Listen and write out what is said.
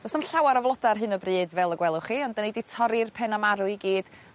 do's 'a'm llawar o floda ar hyn o bryd fel y gwelwch chi ond 'dyn ni 'di torri'r penna' marw i gyd